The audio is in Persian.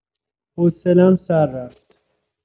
حوصلم سر رفت